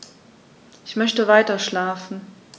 Ich möchte weiterschlafen.